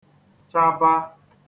chabā